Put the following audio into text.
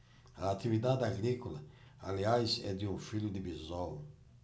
a atividade agrícola aliás é de um filho de bisol